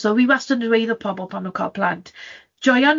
So 'wi wastad yn 'weud wrth pobl pam nhw'n cael plant.